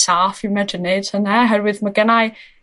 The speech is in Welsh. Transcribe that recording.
saff i medru nid hwnna oherwydd ma' gennai